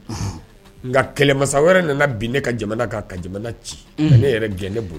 Nka kɛlɛmasa wɛrɛ nana bin ne ka jamana' ka jamana ci ne yɛrɛ gɛn ne bolo